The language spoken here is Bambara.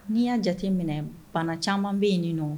N'i y'a jate minɛ bana caman bɛ yen nin nɔ